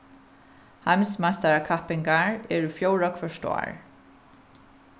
heimsmeistarakappingar eru fjórða hvørt ár